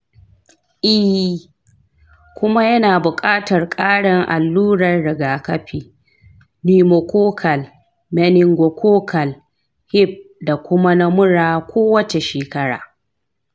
ee, kuma yana buƙatar ƙarin alluran rigakafi: pneumococcal, meningococcal, hib, da kuma na mura kowace shekara.